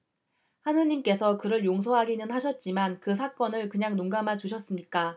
하느님께서 그를 용서하기는 하셨지만 그 사건을 그냥 눈감아 주셨습니까